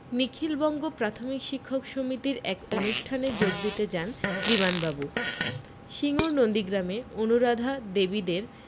নিখিল বঙ্গ প্রাথমিক শিক্ষক সমিতির এক অনুষ্ঠানে যোগ দিতে যান বিমানবাবু সিঙ্গুর নন্দীগ্রামে অনুরাধা দেবীদের